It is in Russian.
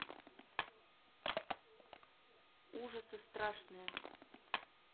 ужасы страшные